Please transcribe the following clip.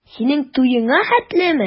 Синең туеңа хәтлеме?